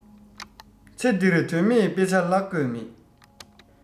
ཚེ འདིར དོན མེད དཔེ ཆ བཀླག དགོས མེད